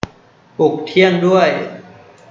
ปลุกเที่ยงด้วย